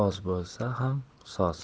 oz bo'lsa ham soz